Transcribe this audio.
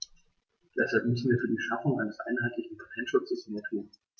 Deshalb müssen wir für die Schaffung eines einheitlichen Patentschutzes mehr tun.